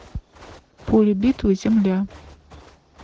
поле битвы земля